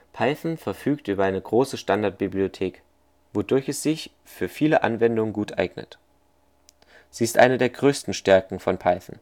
Python verfügt über eine große Standardbibliothek, wodurch es sich für viele Anwendungen gut eignet. Sie ist eine der größten Stärken von Python